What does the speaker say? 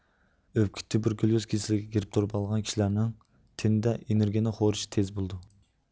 ئۆپكە تۇبېركۇليۇز كېسىلىگە گىرىپتار بولغان كىشىلەرنىڭ تېنىدە ئېنېرگىيىنىڭ خورىشى تېز بولىدۇ